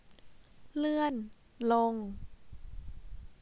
เลื่อนลง